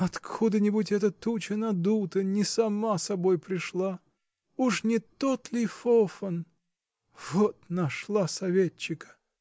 Откуда-нибудь эта туча надута, не сама собой пришла. Уж не тот ли фофан? Вот нашла советчика!